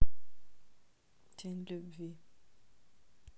тень любви